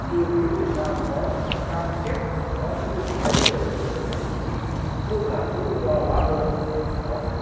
trừ phi việt nam có một cái cam kết có cái hướng thay đổi về mặt chính trị tức là tự do hóa hơn ờ